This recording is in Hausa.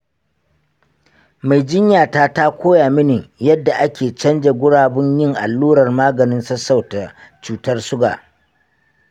mai jinyata ta koya mini yadda ake canja gurabun yin allurar maganin sassauta cutar suga.